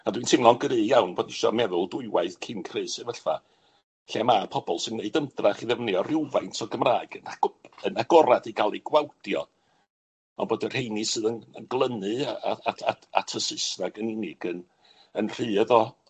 A dwi'n teimlo'n gry iawn bod isio meddwl dwywaith cyn creu sefylla lle ma' pobol sy'n wneud ymdrach i ddefnyddio rywfaint o Gymraeg ag o- yn agorad i ga'l 'u gwawdio, on' bod y rheini sydd yn yn glynnu a- at at at y Saesneg yn unig yn yn rhydd o